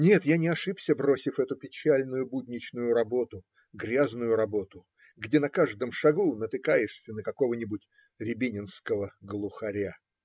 Нет, я не ошибся, бросив эту печальную будничную работу, грязную работу, где на каждом шагу натыкаешься на какого-нибудь рябининского глухаря.